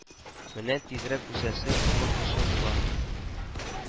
Менә тизрәк үсәсе, олы кеше була